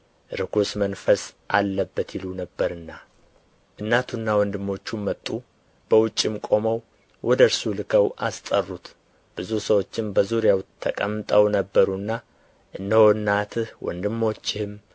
ርኵስ መንፈስ አለበት ይሉ ነበርና እናቱና ወንድሞቹም መጡ በውጭም ቆመው ወደ እርሱ ልከው አስጠሩት ብዙ ሰዎችም በዙሪያው ተቀምጠው ነበሩና እነሆ እናትህ ወንድሞችህም